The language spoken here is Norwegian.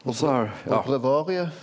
breviariet.